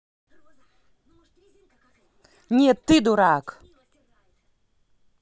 нет ты дурак